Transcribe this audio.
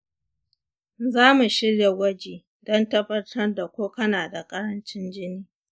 za mu shirya gwaji don tabbatar da ko kana da karancin jini.